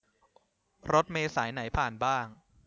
รถเมล์สายไหนผ่านบ้าง